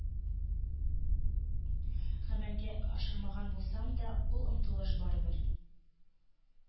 Гамәлгә ашырмаган булсам да, ул омтылыш барыбер